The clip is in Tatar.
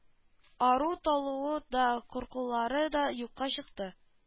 Ару-талуы да куркулары да юкка чыкты